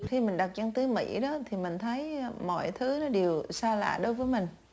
khi mình đặt chân tới mỹ đó thì mình thấy mọi thứ đều xa lạ đối với mình